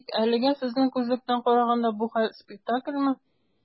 Тик әлегә, сезнең күзлектән караганда, бу хәл - спектакльмы?